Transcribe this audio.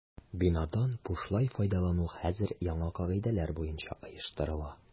Бинадан бушлай файдалану хәзер яңа кагыйдәләр буенча оештырыла.